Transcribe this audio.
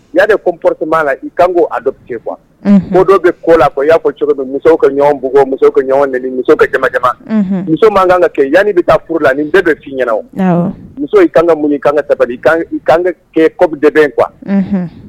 Y'a de koporote'a la i kan ko a dɔ kuwa mɔ dɔ bɛ ko la fɔ y'a fɔ cogo ka ɲɔgɔnbugu muso bɛ jamakɛba muso ma kan ka kɛ yanani bɛ taa furu la nin bɛɛ bɛ' ɲɛna muso ka kan ka muɲ kan ka sabali kan ka kɛ kɔbi dɛ kuwa